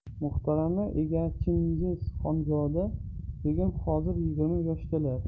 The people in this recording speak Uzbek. muhtarama egachingiz xonzoda begim hozir yigirma yoshdalar